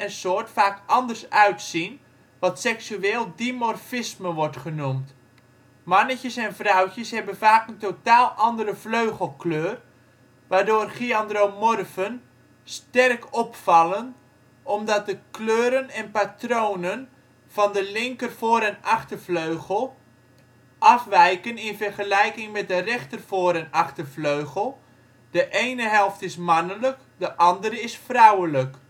soort vaak anders uitzien, wat seksueel dimorfisme wordt genoemd. Mannetjes en vrouwtjes hebben vaak een totaal andere vleugelkleur waardoor gyandromorfen sterk opvallen omdat de kleuren en patronen van de linker voor - en achtervleugel afwijken in vergelijking met de rechter voor - en achtervleugel; de ene helft is mannelijk, de andere is vrouwelijk